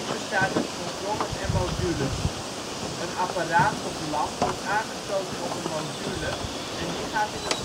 bestaat uit controllers en modules. Een apparaat of lamp wordt aangesloten op een module en die gaat in het